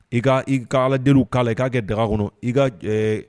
I ka i ka ala den k' la i k'a kɛ daga kɔnɔ i ka